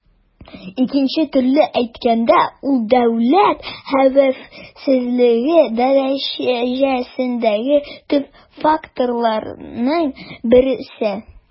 Икенче төрле әйткәндә, ул дәүләт хәвефсезлеге дәрәҗәсендәге төп факторларның берсе.